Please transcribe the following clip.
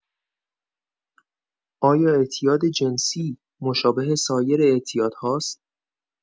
آیا اعتیاد جنسی مشابه سایر اعتیادهاست؟